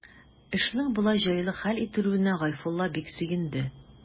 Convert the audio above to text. Эшнең болай җайлы хәл ителүенә Гайфулла бик сөенде.